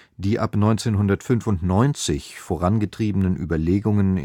Die ab 1995 vorangetriebenen Überlegungen